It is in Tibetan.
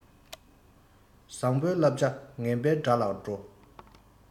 བཟང པོའི བསླབ བྱ ངན པའི དགྲ ལ འགྲོ